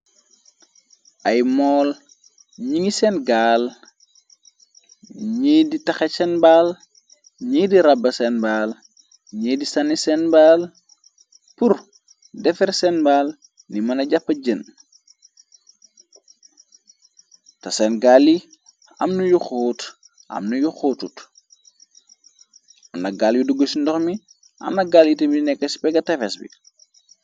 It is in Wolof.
ay mool ñi ngi seen gaal ñii di taxe seen baal ni di rabba seen baal nii di sani seen baal pur defar seen baal ni mëna jàppa jen te seen gaal yi amnuyu xout amnu yu xoutut amna gaal yu dugg ci ndox mi amna gaal itamii nekk ci pega tfes bi